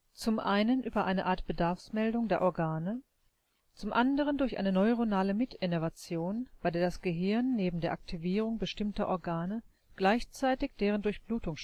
zum einen über eine Art Bedarfsmeldung der Organe, zum anderen durch eine neuronale Mitinnervation, bei der das Gehirn neben der Aktivierung bestimmter Organe gleichzeitig deren Durchblutung